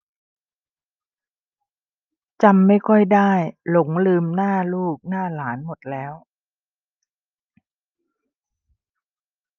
จำไม่ค่อยได้หลงลืมหน้าลูกหน้าหลานหมดแล้ว